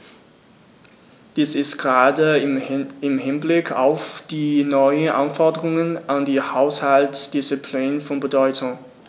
Dies ist gerade im Hinblick auf die neuen Anforderungen an die Haushaltsdisziplin von Bedeutung.